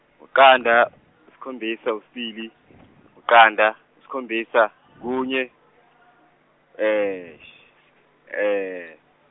iqanda isikhombisa isibili , iqanda isikhombisa kunye .